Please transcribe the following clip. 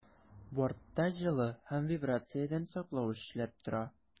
Бортта җылы һәм вибрациядән саклау эшләп тора.